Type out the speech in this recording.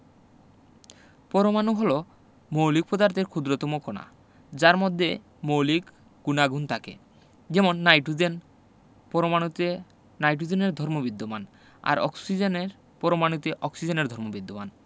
পরমাণু হলো মৌলিক পদার্থের ক্ষুদ্রতম কণা যার মধ্যে মৌলের গুণাগুণ থাকে যেমন নাইটোজেনের পরমাণুতে নাইটোজেনের ধর্ম বিদ্যমান আর অক্সিজেনের পরমাণুতে অক্সিজেনের ধর্ম বিদ্যমান